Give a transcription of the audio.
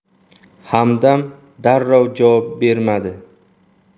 hamdam darrov javob bermadi